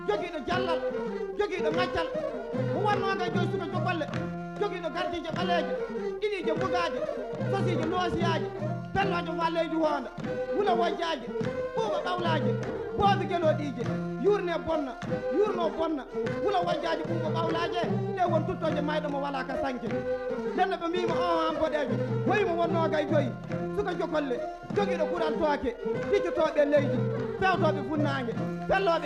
Ka